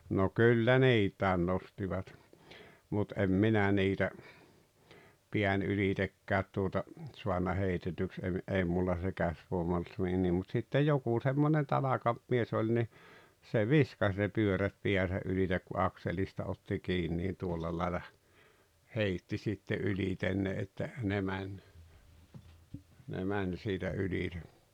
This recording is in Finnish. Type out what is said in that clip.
no kyllä niitä nostivat mutta en minä niitä pään ylitsekään tuota saanut heitetyksi - ei minulla se käsivoima ollut niin niin mutta sitten joku semmoinen tanakampi mies oli niin se viskasi ne pyörät päänsä yli kun akselista otti kiinni niin tuolla lailla heitti sitten ylitse ne että ne meni ne meni siitä ylitse